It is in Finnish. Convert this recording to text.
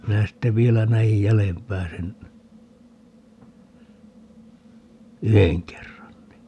minä sitten vielä näin jäljempää sen yhden kerran niin